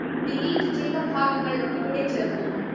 delete ചെയ്ത ഭാഗങ്ങൾ ഇവിടെ ചേർക്കുന്നു